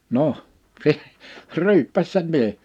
no se ryyppäsi se mies